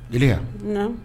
Jeliya